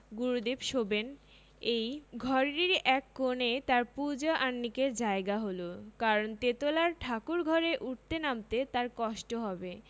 গুরুদেব শোবেন এই ঘরেরই এক কোণে তাঁর পূজো আহ্নিকের জায়গা হলো কারণ তেতলার ঠাকুরঘরে উঠতে নামতে তাঁর কষ্ট হবে